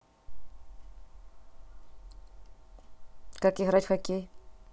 как играть в хоккей